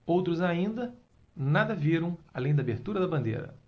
outros ainda nada viram além da abertura da bandeira